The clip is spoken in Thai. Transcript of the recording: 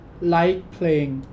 ไลค์เพลง